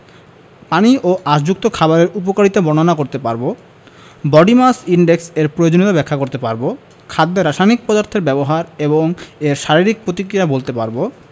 পানি ও আশযুক্ত খাবারের উপকারিতা বর্ণনা করতে পারব বডি মাস ইনডেক্স এর প্রয়োজনীয়তা ব্যাখ্যা করতে পারব খাদ্যে রাসায়নিক পদার্থের ব্যবহার এবং এর শারীরিক প্রতিক্রিয়া বলতে পারব